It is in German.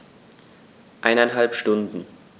Eineinhalb Stunden